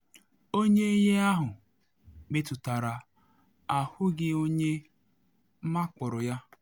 Onye ihe ahụ metụtara ahụghị onye makporo ya.